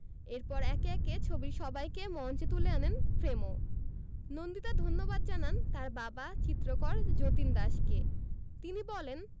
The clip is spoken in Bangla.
এরপর একে একে ছবির সবাইকে মঞ্চে তুলে আনেন ফ্রেমো নন্দিতা ধন্যবাদ জানান তার বাবা চিত্রকর যতীন দাসকে তিনি বলেন